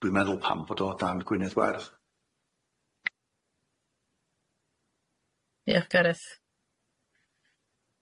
dwi'n meddwl pam fod o dan Gwynedd Werdd. Diolch Gareth.